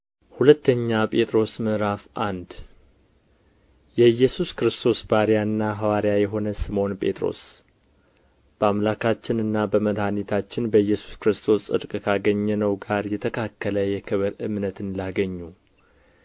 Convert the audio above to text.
ሁለተኛ ጴጥሮስ ምዕራፍ አንድ የኢየሱስ ክርስቶስ ባሪያና ሐዋርያ የሆነ ስምዖን ጴጥሮስ በአምላካችንና በመድኃኒታችን በኢየሱስ ክርስቶስ ጽድቅ ካገኘነው ጋር የተካከለ የክብር እምነትን ላገኙ